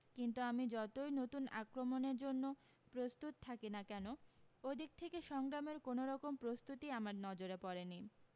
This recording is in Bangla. কিন্তু আমি যতি নতুন আক্রমণের জন্য প্রস্তুত থাকি না কেন ওদিক থেকে সংগ্রামের কোন রকম প্রস্তুতি আমার নজরে পড়েনি